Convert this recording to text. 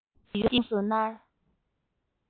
ངལ དུབ ཀྱིས ཡོངས སུ མནར